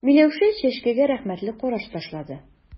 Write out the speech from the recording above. Миләүшә Чәчкәгә рәхмәтле караш ташлады.